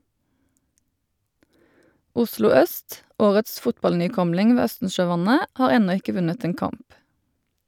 Oslo Øst - årets fotballnykomling ved Østensjøvannet - har ennå ikke vunnet en kamp.